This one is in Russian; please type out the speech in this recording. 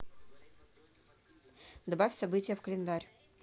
добавь событие в календарь